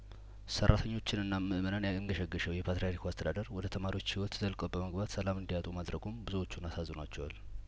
ሰራተኞችን እናምእመናንያን ገሸገሸው የፓትርያርኩ አስተዳደር ወደ ተማሪዎች ህይወት ዘልቆ በመግባት ሰላም እንዲያጡ ማድረጉም ብዙዎቹን አሳዝኗቸዋል